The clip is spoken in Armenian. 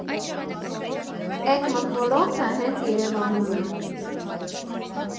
Էդ մթնոլորտը հենց Երևանում է։